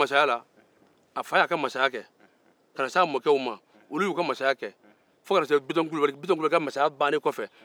olu y'u ka mansaya kɛ fo ka n'a se bitɔn kulubali ma bitɔn kulubali ka mansaya bannen kɔfɛ